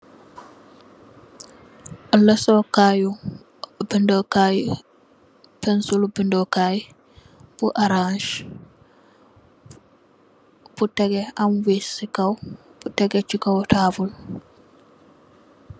Lasukaay yu bindokaay pencil lu bindokaay bu orance bu tégé am wiiss ci kaw tégé ci kaw taabl.